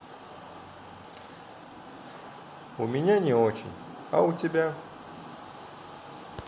у меня не очень а у тебя